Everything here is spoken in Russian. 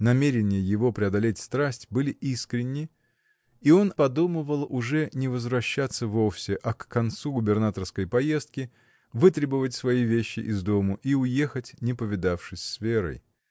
Намерения его преодолеть страсть были искренни, и он подумывал уже не возвращаться вовсе, а к концу губернаторской поездки вытребовать свои вещи из дому и уехать, не повидавшись с Верой.